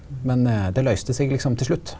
men det løyste seg liksom til slutt.